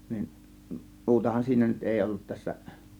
niin muutahan siinä nyt ei ollut tässä